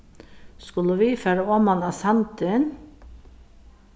skulu vit fara oman á sandin